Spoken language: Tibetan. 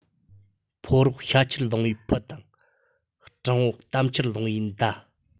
ཕོ རོག ཤ ཁྱེར ལུང བའི ཕུ དང སྤྲང པོ གཏམ ཁྱེར ལུང པའི མདའ